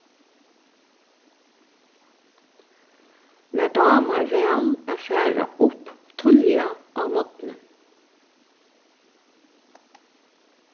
mær dámar væl at fara upp tíðliga á morgni